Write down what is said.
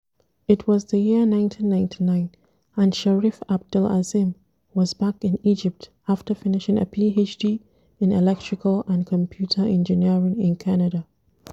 It was the year 1999 and Sherif Abdel-Azim was back in Egypt after finishing a Ph.D. in Electrical and Computer Engineering in Canada.